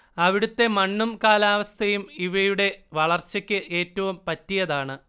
അവിടത്തെ മണ്ണും കാലാവസ്ഥയും ഇവയുടെ വളർച്ചയ്ക്ക് ഏറ്റവും പറ്റിയതാണ്